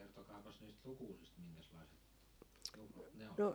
kertokaapas niistä lukusista minkäslaiset juhlat ne oli